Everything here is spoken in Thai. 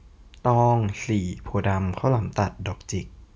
ตองสี่โพธิ์ดำข้าวหลามตัดดอกจิก